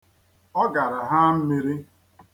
Ọ gara haa mmiri.